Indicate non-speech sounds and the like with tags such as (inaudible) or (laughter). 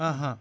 (hesitation) (hesitation)